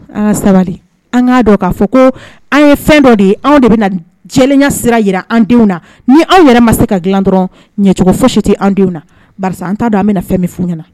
Aa sabali an k'a dɔn k' fɔ ko an ye fɛn dɔ de ye anw de bɛ cɛya sira jira an denw na ni anw yɛrɛ ma se ka dila dɔrɔn ɲɛcogo fo si tɛ an denw na an t'a don an bɛna na fɛn min fu ɲɛna na